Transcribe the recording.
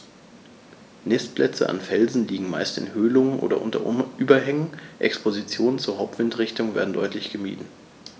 Nistplätze an Felsen liegen meist in Höhlungen oder unter Überhängen, Expositionen zur Hauptwindrichtung werden deutlich gemieden.